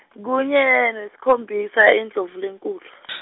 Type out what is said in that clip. kunye, nesikhombisa, Indlovulenkhulu .